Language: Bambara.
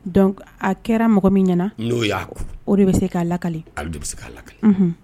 Donc a kɛra mɔgɔ min ɲana. N'o y'a kun. O de bɛ se k'a lakali. Ale de bɛ se k'a lakali.